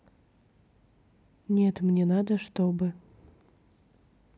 нет мне надо чтобы